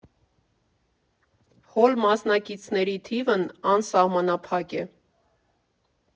Հոլ Մասնակիցների թիվն անսահմանափակ է։